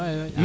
oui oui